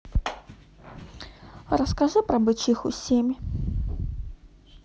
расскажи про бычиху семь